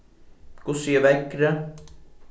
hvussu er veðrið